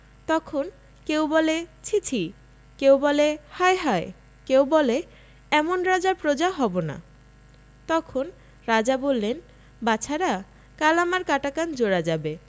তখন কেউ বললে ছি ছি কেউ বললে হায় হায় কেউ বললে এমন রাজার প্ৰজা হব না তখন রাজা বললেন বাছারা কাল আমার কাটা কান জোড়া যাবে